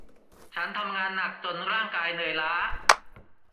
ฉันทำงานหนักจนร่างกายเหนื่อยล้า